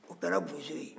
o kɛra bozo ye